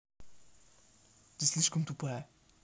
ты слишком тупая